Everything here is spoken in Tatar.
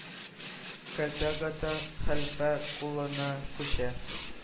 Кәлтә Гата хәлфә кулына күчә.